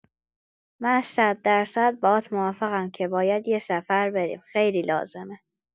من صددرصد باهات موافقم که باید یه سفر بریم، خیلی لازمه!